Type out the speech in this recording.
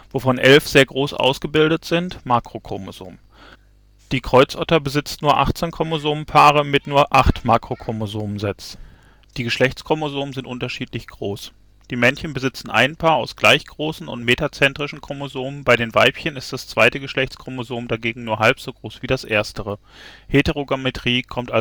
wovon 11 sehr groß ausgebildet sind (Makrochromosomen). Zum Vergleich: Die Kreuzotter besitzt nur 18 Chromosomenpaare mit nur 8 Makrochromosomensets. Die Geschlechtschromosomen sind unterschiedlich groß. Die Männchen besitzen ein Paar aus gleich großen und metazentrischen Chromosomen, bei den Weibchen ist das zweite Geschlechtschromosom dagegen nur halb so groß wie das erstere, Heterogametie kommt